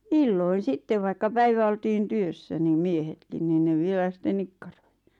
illoin sitten vaikka päivä oltiin työssä niin miehetkin niin ne vielä sitten nikkaroi